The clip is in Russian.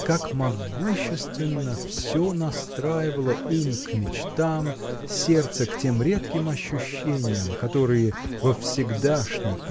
Как могущественно все настроивало ум к мечтам сердце к тем редким ощущениям которые во всегдашней